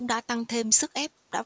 đã tăng thêm sức ép